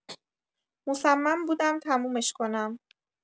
مصمم بودم تمومش کنم.